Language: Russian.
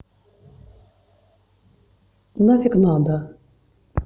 нафиг надо